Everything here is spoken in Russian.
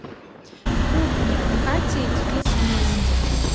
кухня катя и денис вместе